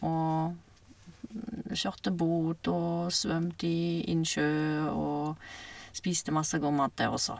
Og vi kjørte båt og svømte i innsjø og spiste masse god mat der også.